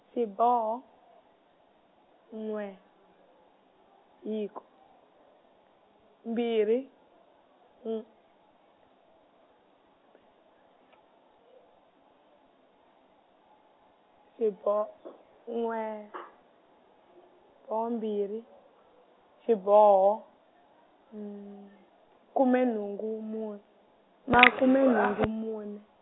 xiboho, n'we, hiko, mbirhi, n'w- , xibo- , n'we, ho mbirhi, xiboho , khume nhungu mun-, makhume nhungu mune.